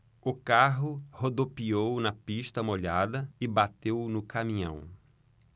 o carro rodopiou na pista molhada e bateu no caminhão